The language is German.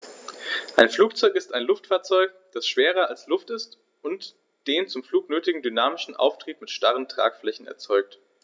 Ein Flugzeug ist ein Luftfahrzeug, das schwerer als Luft ist und den zum Flug nötigen dynamischen Auftrieb mit starren Tragflächen erzeugt.